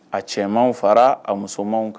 A cɛmanw fara a musomanw kan